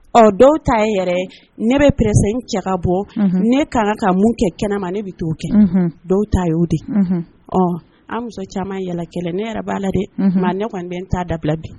Ɔ dɔw ta ye yɛrɛ ne bɛ pressɛ cɛka bɔ ne ka ka mun kɛ kɛnɛ ma ne bɛ'o kɛ dɔw t ta ye'o de ɔ an muso caman yɛlɛkɛla ne yɛrɛ b'a la dɛ ne kɔni n bɛ taa dabila bi